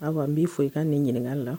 A ko n b'i fɔ i k' ne ɲininka la